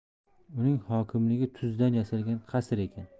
uning hokimligi tuzdan yasalgan qasr ekan